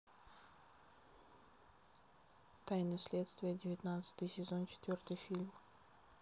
тайны следствия девятнадцатый сезон четвертый фильм